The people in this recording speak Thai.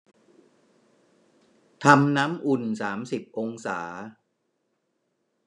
ทำน้ำอุ่นสามสิบองศา